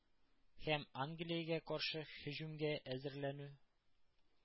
Һәм англиягә каршы һөҗүмгә әзерләнү,